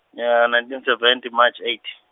nineteen seventy, March, eight.